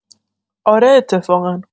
آره اتفاقا